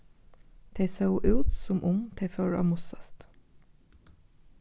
tey sóu út sum um tey fóru at mussast